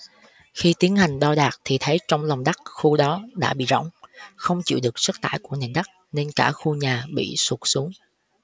khi tiến hành đo đạc thì thấy trong lòng đất khu đó đã bị rỗng không chịu được sức tải của nền đất nên cả khu nhà bị sụt xuống